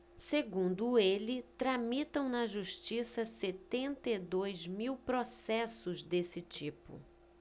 segundo ele tramitam na justiça setenta e dois mil processos desse tipo